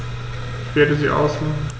Ich werde sie ausmachen.